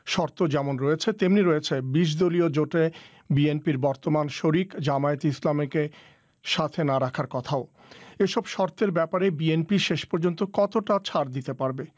শর্ত ও যেমন রয়েছে তেমনি রয়েছে ২০ দলীয় জোটে বিএনপি'র বর্তমান শরিক জামায়াতে ইসলামীকে সাথে না রাখার কথা ও এসব শর্তের ব্যাপারে বিএনপি শেষ পর্যন্ত কতটা ছাড় দিতে পারবে খ